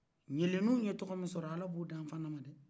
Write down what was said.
ɲeleniw ye tɔgɔ min sɔrɔ ala b'o di an fana ma dɛ